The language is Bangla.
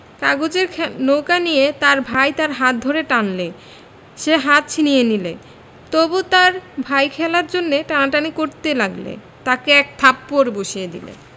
কাগজের নৌকো নিয়ে তার ভাই তার হাত ধরে টানলে সে হাত ছিনিয়ে নিলে তবু তার ভাই খেলার জন্যে টানাটানি করতে লাগলে তাকে এক থাপ্পড় বসিয়ে দিলে